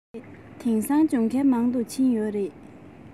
རེད དེང སང སྦྱོང མཁན མང དུ ཕྱིན ཡོད རེད